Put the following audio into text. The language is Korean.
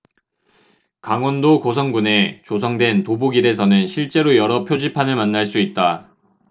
강원도 고성군에 조성된 도보길에서는 실제로 여러 표지판을 만날 수 있다